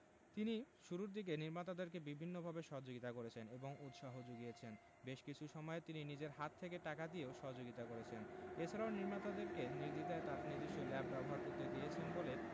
তিনি শুরুর দিকে নির্মাতাদেরকে বিভিন্নভাবে সহযোগিতা করেছেন এবং উৎসাহ যুগিয়েছেন বেশ কিছু সময়ে তিনি নিজের হাত থেকে টাকা দিয়েও সহযোগিতা করেছেন এছাড়াও নির্মাতাদেরকে নির্দ্বিধায় তার নিজস্ব ল্যাব ব্যবহার করতে দিয়েছেন বলে